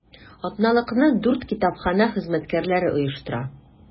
Атналыкны дүрт китапханә хезмәткәрләре оештыра.